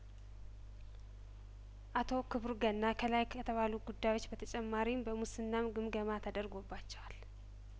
አቶ ክቡር ገና ከላይ ከተባሉት ጉዳዮች በተጨማሪም በሙስናም ግምገማ ተደርጐባቸዋል